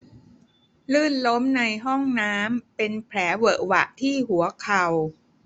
ลื่นล้มในห้องน้ำเป็นแผลเหวอะหวะที่หัวเข่า